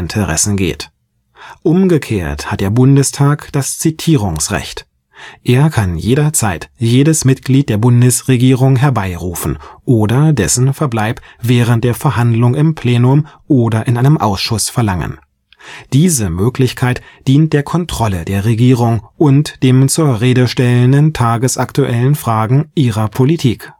geht. Umgekehrt hat der Bundestag das Zitierungsrecht: Er kann jederzeit jedes Mitglied der Bundesregierung herbeirufen oder dessen Verbleib während der Verhandlung im Plenum oder in einem Ausschuss verlangen. Diese Möglichkeit dient der Kontrolle der Regierung und dem Zur-Rede-Stellen in tagesaktuellen Fragen ihrer Politik